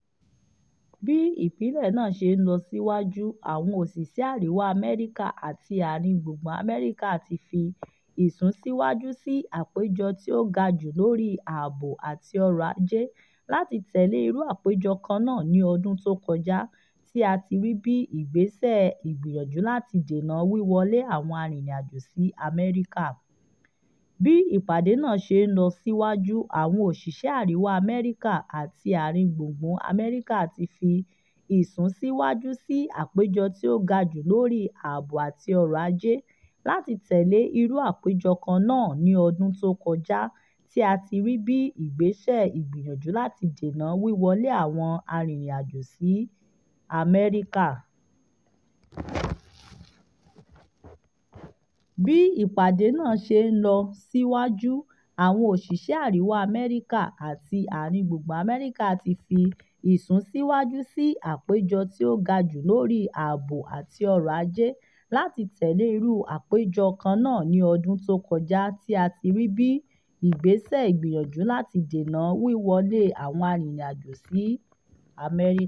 Bí ìpàdé náà ṣe ń lọ síwájú, àwọn òṣìṣẹ̀ Àríwà Amẹ́ríkà àti ààrín-gbùgbù Amẹrika ti fi ìsúnsíwájú sí àpéjọ tí ó gajù lóri ààbò àti ọrọ̀ aje làti tẹ̀lé irú àpéjọ kannáà ní ọdún tó kojá tí a tí rí bíi ìgbésẹ̀ ìgbìyànjú láti dènà wíwọlé àwọn arìnrìn-àjò sí Amẹ́ríkà.